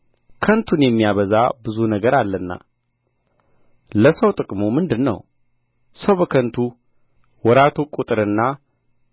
ከንቱን የሚያበዛ ብዙ ነገር አለና ለሰው ጥቅሙ ምንድር ነው ሰው በከንቱ ወራቱ ቍጥርና